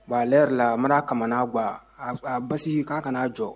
Bon la mara kamana kuwa basi k'a kana'a jɔ